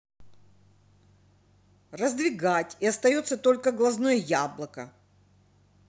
раздвигать и остается только глазное яблоко